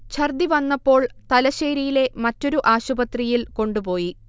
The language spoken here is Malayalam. ഛര്ദ്ദി വന്നപ്പോള് തലശേരിയിലെ മറ്റൊരു ആശുപത്രിയില് കൊണ്ടുപോയി